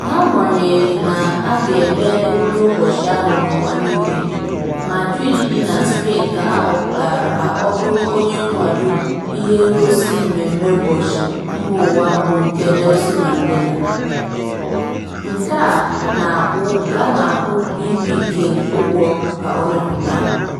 N'agbanyeghị na a ga-eme emume ụbọchị ahụ n'ụwa niile, Madrid dị na Spain ka a họpụtara ka ọ bụrụ onye nkwado ihengosị mmemme ụbọchị mbaụwa mbụ nke Nelson Mandela, nke a na-akwụ BB King ụgwọ ka ọ mepụta.